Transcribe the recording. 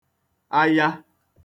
aya